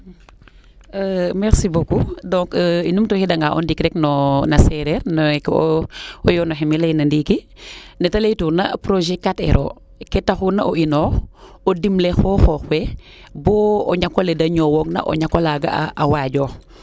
merci beaucoup donc i numtu wiida nga o ndik rek no na sereer neeke o yoono xemi leyna ndiiki neete ley tuuna projet 4R o ke taxuuna o inoox o dimele xoxoox we bo o ñako le de ñowoog na o ñako laaga a waadioox